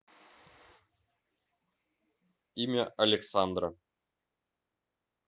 имя александра